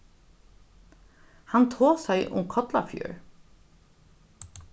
hann tosaði um kollafjørð